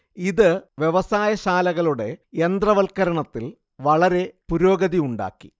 ഇത് വ്യവസായശാലകളുടെ യന്ത്രവൽക്കരണത്തിൽ വളരെ പുരോഗതി ഉണ്ടാക്കി